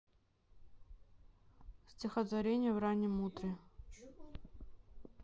стихотворение в раннем утре